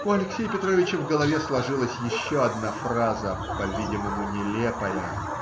У Алексея Петровича в голове сложилась еще одна фраза, по-видимому нелепая